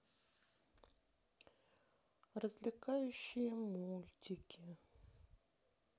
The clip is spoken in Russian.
развлекающие мультики